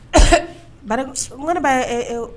Ba b'